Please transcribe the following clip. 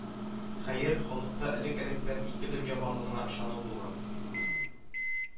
Хәер, халыкта элек-электән ике дөнья барлыгына ышану булган